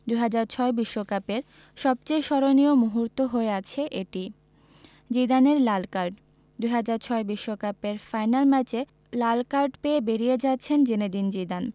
২০০৬ বিশ্বকাপের সবচেয়ে স্মরণীয় মুহূর্ত হয়ে আছে এটি জিদানের লাল কার্ড ২০০৬ বিশ্বকাপের ফাইনাল ম্যাচে লাল কার্ড পেয়ে বেরিয়ে যাচ্ছেন জিনেদিন জিদান